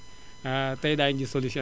tey daañu gis solution